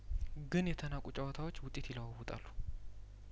ግን የተናቁ ጨዋታዎች ውጤት ይለዋው ጣሉ